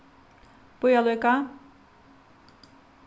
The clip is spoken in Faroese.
bíða líka